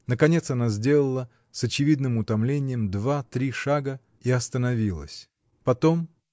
Наконец она сделала, с очевидным утомлением, два-три шага и остановилась. Потом.